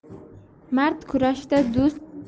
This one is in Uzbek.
mard kurashda do'st